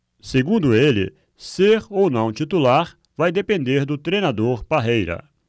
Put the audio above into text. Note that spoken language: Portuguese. segundo ele ser ou não titular vai depender do treinador parreira